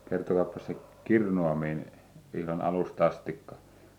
kertokaapas se kirnuaminen ihan alusta asti